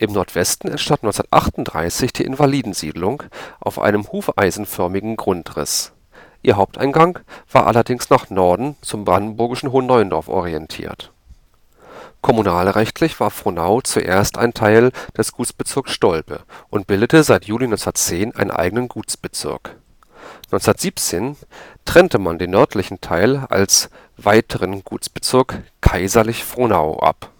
Nordwesten entstand 1938 die Invalidensiedlung auf einem hufeisenförmigen Grundriss. Ihr Haupteingang war allerdings nach Norden zum brandenburgischen Hohen Neuendorf hin orientiert. Kommunalrechtlich war Frohnau zuerst ein Teil des Gutsbezirks Stolpe und bildete seit Juli 1910 einen eigenen Gutsbezirk. 1917 trennte man den nördlichen Teil als weiteren Gutsbezirk „ Kaiserlich Frohnau “ab